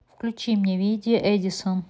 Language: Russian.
включи мне видео эдисон